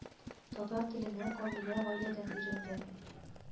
Татар теленә Камилә гаиләдә өйрәнгән